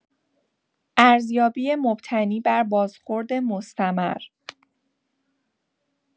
ارزیابی مبتنی بر بازخورد مستمر